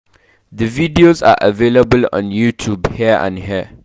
The videos are available on YouTube here and here.